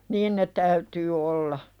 niin ne täytyy olla